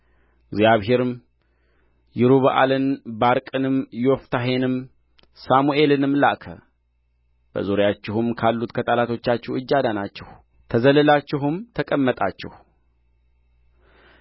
እግዚአብሔርም ይሩበአልም ባርቅንም ዮፍታሔንም ሳሙኤልንም ላከ በዙሪያችሁም ካሉት ከጠላቶቻችሁ እጅ አዳናችሁ ተዘልላችሁም ተቀመጣችሁ